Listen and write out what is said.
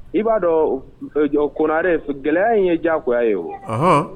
I b'a dɔn konare gɛlɛya in ye diyagoya ye o